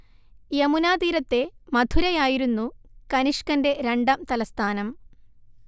യമുനാ തീരത്തെ മഥുരയായിരുന്നു കനിഷ്കന്റെ രണ്ടാം തലസ്ഥാനം